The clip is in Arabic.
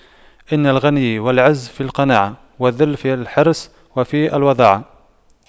إن الغنى والعز في القناعة والذل في الحرص وفي الوضاعة